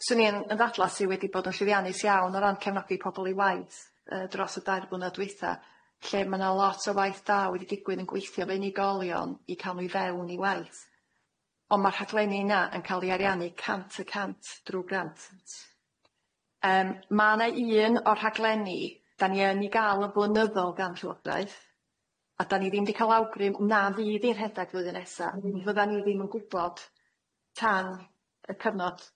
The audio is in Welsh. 'swn i yn yn ddadlas sy wedi bod yn llwyddiannus iawn o ran cefnogi pobol i waith yy dros y dair blynedd dwytha lle ma' na lot o waith da wedi digwydd yn gweithio 'fo unigolion i ca'l n'w i fewn i waith on' ma' rhaglenni yna yn ca'l i ariannu cant y cant drw grant yym ma' na un o rhaglenni da ni yn ei ga'l yn blynyddol gan llywograeth a da ni ddim di ca'l awgrym na fydd hi'n rhedag flwyddyn nesa fyddan ni ddim yn gwbod tan y cyfnod.